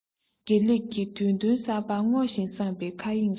དགེ ལེགས ཀྱི དུས སྟོན གསར པ སྔོ ཞིང བསངས པའི མཁའ དབྱིངས སུ